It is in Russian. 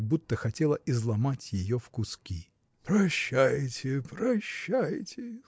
как будто хотела изломать ее в куски. – Прощайте, прощайте!